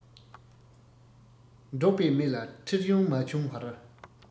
འགྲོགས པའི མི ལ ཁྲེལ གཞུང མ ཆུང བར